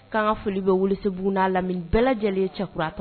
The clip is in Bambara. K' foli bɛ wuli seugu lam bɛɛ lajɛlen ye cɛkuratɔ